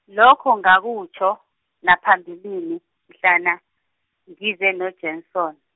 lokho ngakutjho, naphambilini, mhlana, ngize noJanson.